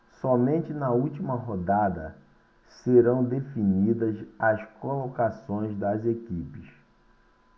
somente na última rodada serão definidas as colocações das equipes